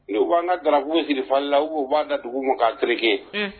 U b'an ka gaugu sirifali la u u b'a ka dugu ma k'a terikɛ